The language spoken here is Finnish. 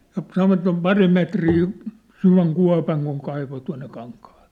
ja sanovat se on pari metriä syvän kuopan kun kaivo tuonne kankaalle